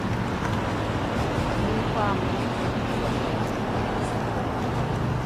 มีความรู้สึกปวดใจ